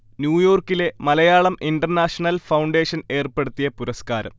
ന്യൂയോർക്കിലെ Malayalam international foundation ഏർപ്പെടുത്തിയ പുരസ്കാരം